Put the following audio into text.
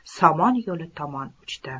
somon yo'li tomon uchdi